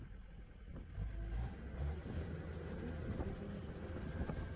песни ирины круга